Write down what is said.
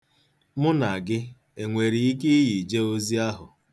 Mụ na gị enwere ike ịyị jee ozi ahụ?